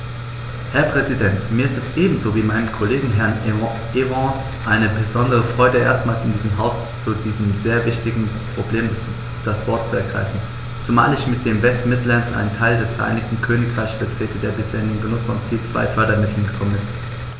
Herr Präsident, mir ist es ebenso wie meinem Kollegen Herrn Evans eine besondere Freude, erstmals in diesem Haus zu diesem sehr wichtigen Problem das Wort zu ergreifen, zumal ich mit den West Midlands einen Teil des Vereinigten Königreichs vertrete, der bisher in den Genuß von Ziel-2-Fördermitteln gekommen ist.